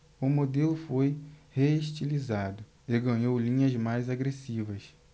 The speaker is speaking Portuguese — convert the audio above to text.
o modelo foi reestilizado e ganhou linhas mais agressivas